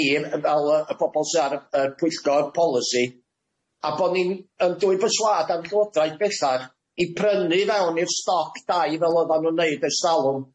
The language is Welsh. ni fel yy y pobol sy ar yy pwyllgor polisi a bo' ni'n yn dwyn perswaad ar Llywodraeth bellach i prynu fewn i'r stoc dai fel oddan nw'n neud ers talwm.